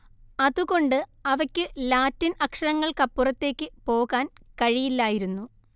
അതുകൊണ്ട് അവയ്ക്ക് ലാറ്റിൻ അക്ഷരങ്ങൾക്കപ്പുറത്തേയ്ക്ക് പോകാൻ കഴിയില്ലായിരുന്നു